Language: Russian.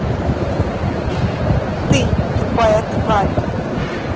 ты тупая тварь